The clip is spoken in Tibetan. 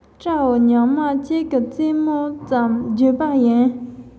སྐྲའི ཉག མ གཅིག གི རྩེ མོ ཙམ བརྗོད པ ཡིན